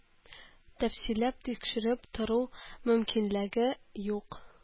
Тәфсилләп тикшереп тору мөмкинлеге юк